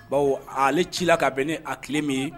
Baw ale ci la ka bɛn ne a tile min ye